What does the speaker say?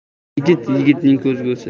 yigit yigitning ko'zgusi